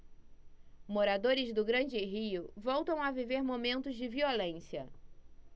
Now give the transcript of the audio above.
moradores do grande rio voltam a viver momentos de violência